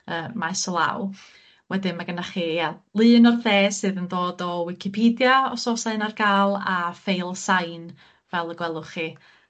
yy maes o law wedyn ma' gynnoch chi ia lun o'r dde sydd yn dod o Wicipedia os o's 'a un ar gael, a ffeil sain fel y gwelwch chi.